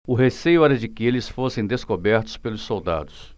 o receio era de que eles fossem descobertos pelos soldados